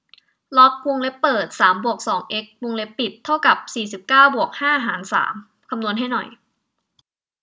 ล็อกวงเล็บเปิดสามบวกสองเอ็กซ์วงเล็บปิดเท่ากับสี่สิบเก้าบวกห้าหารสามคำนวณให้หน่อย